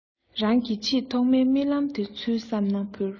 རང གི ཆེས ཐོག མའི རྨི ལམ དེ འཚོལ བསམ ན འཕུར